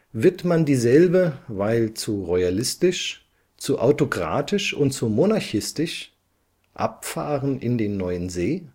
Wird man dieselbe, weil zu royalistisch, zu autokratisch und zu monarchistisch, abfahren in den Neuen See